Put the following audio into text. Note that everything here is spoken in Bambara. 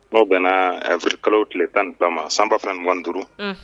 N'o kanafrika tile tan tanma sanba fɛugan duuruuru